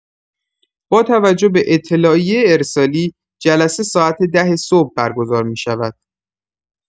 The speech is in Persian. با توجه به اطلاعیه ارسالی، جلسه ساعت ده صبح برگزار می‌شود.